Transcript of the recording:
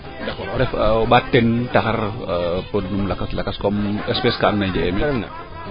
d' accord o mbaaat teen taxar pod num lakas lakas kum espece kaa ando naye njeg ee meen